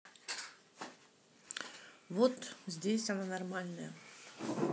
вот здесь она нормальная